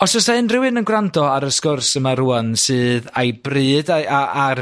os o's 'na unryw un yn gwrando ar y sgwrs yma rŵan sydd â'i bryd a'i a- ar